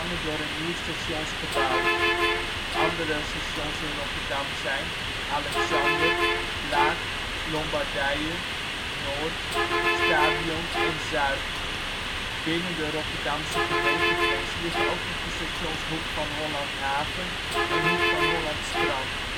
door een nieuw stationsgebouw. Andere stations in Rotterdam zijn: Alexander, Blaak, Lombardijen, Noord, Stadion (alleen bij evenementen), en Zuid. Binnen de Rotterdamse gemeentegrenzen liggen ook nog de stations Hoek van Holland Haven en Hoek van Holland Strand